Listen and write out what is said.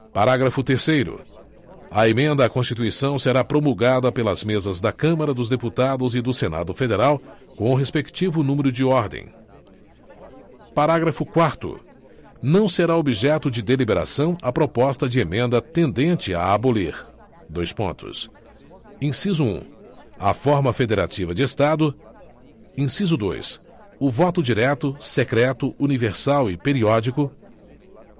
parágrafo terceiro a emenda à constituição será promulgada pelas mesas da câmara dos deputados e do senado federal com o respectivo número de ordem parágrafo quarto não será objeto de deliberação a proposta de emenda tendente a abolir dois pontos inciso um a forma federativa de estado inciso dois o voto direto secreto universal e periódico